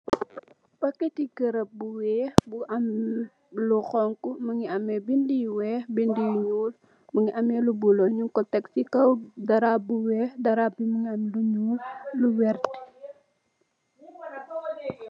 Paket ti garamb bu weex bu am lo xongo mingi ami bind yu weex bind yu nuul mingi ami lo bulu nuko teh ci kaw darap bun lalelu nuul lowert.